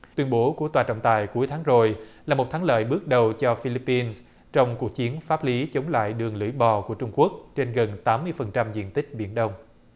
tuyên bố của tòa trọng tài cuối tháng rồi là một thắng lợi bước đầu cho phi líp pin trong cuộc chiến pháp lý chống lại đường lưỡi bò của trung quốc trên gần tám mươi phần trăm diện tích biển đông